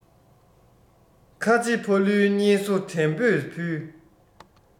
ཁ ཆེ ཕ ལུའི བསྙེལ གསོ དྲན པོས ཕུལ